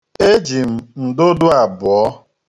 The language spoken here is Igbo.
Eji m ndụdụ abụọ.